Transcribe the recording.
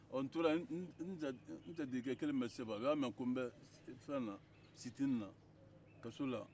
n tora yen n jatigikɛ kelen min bɛ seba o y'a mɛ ko n bɛ sitini na kaso la